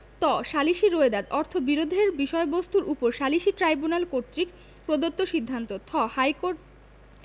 ত সালিসী রোয়েদাদ অর্থ বিরোধের বিষয়বস্তুর উপর সালিসী ট্রাইব্যুনাল কর্তৃক প্রদত্ত সিদ্ধান্ত থ ইহাকোর্ট